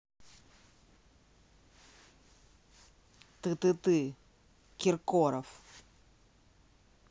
ты ты ты киркоров